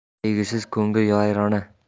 sevgisiz ko'ngil vayrona